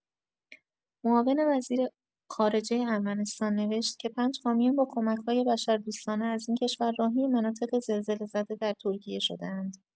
معاون وزیر خارجه ارمنستان نوشت که پنج کامیون با کمک‌‌های بشردوستانه از این کشور راهی مناطق زلزله‌زده در ترکیه شده‌اند.